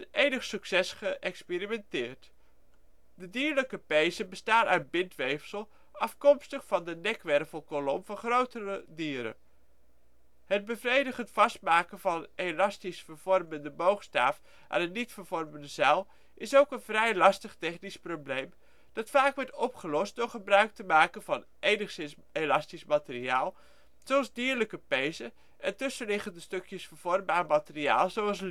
enig succes geëxperimenteerd. De dierlijke pezen bestaan uit bindweefsel afkomstig van de nekwervelkolom van grotere dieren. Het bevredigend vastmaken van de elastisch vervormende boogstaaf aan de niet-vervormende zuil is ook een vrij lastig technisch probleem dat vaak werd opgelost door gebruik te maken van enigszins elastisch materiaal zoals dierlijke pezen en tussenliggende stukjes vervormbaar materiaal zoals